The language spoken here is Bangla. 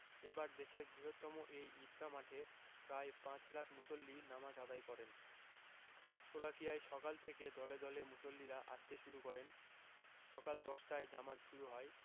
এবার দেশের বৃহত্তম এই ঈদগাহ মাঠে প্রায় পাঁচ লাখ মুসল্লি নামাজ আদায় করেন শোলাকিয়ায় সকাল থেকে দলে দলে মুসল্লিরা আসতে শুরু করেন সকাল ১০টায় জামাত শুরু হয়